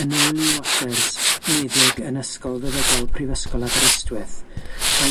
Yn ôl Lee Watters, meddyg yn ysgol feddygol prifysgol Aberystwyth, mae